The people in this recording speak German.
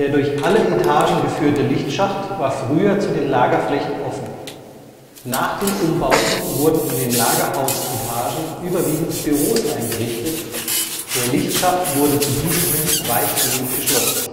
durch alle Etagen geführte Lichtschacht war früher zu den Lagerflächen offen. Nach den Umbauten wurden in den Lagerhaus-Etagen überwiegend Büros eingerichtet, der Lichtschacht wurde zu diesen hin weitgehend geschlossen